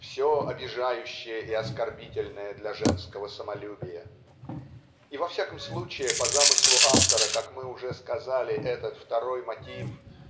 все обижающее и оскорбительное для женского самолюбия. И во всяком случае по замыслу автора как мы уже сказали этот второй мотив